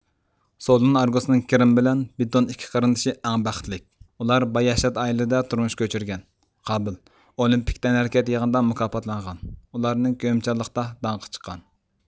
سولۇن ئارگوسنىڭ كىرىم بىلەن بتون ئىككى قېرىنداشى ئەڭ بەختلىك ئۇلار باياشات ئائىلىدە تۇرمۇش كۆچۈرگەن قابىل ئولىمپىك تەنھەرىكەت يىغىنىدا مۇكاپاتلانغان ئۇلارنىڭ كۆيۈمچانلىقتا داڭقى چىققان